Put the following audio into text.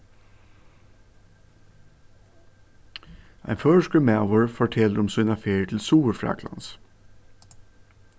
ein føroyskur maður fortelur um sína ferð til suðurfraklands